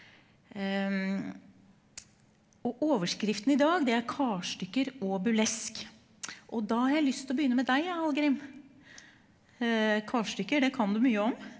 og overskriften i dag det er karstykker og burlesk og da har jeg lyst til å begynne med deg jeg Halgrim, karstykker det kan du mye om.